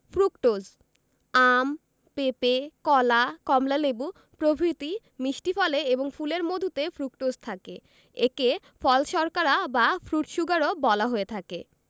fructose আম পেপে কলা কমলালেবু প্রভৃতি মিষ্টি ফলে এবং ফুলের মধুতে ফ্রুকটোজ থাকে একে ফল শর্করা বা ফ্রুট শুগার ও বলা হয়ে থাকে